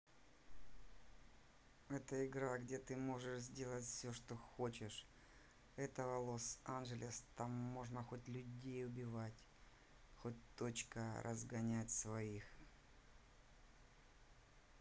это игра где ты можешь сделать все что хочешь этого лос анджелес там можно хоть людей убивать хоть точка разгонять своих